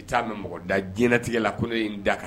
I bɛ t'a mɛn mɔgɔ da diɲɛtigɛ la ko ye in da kan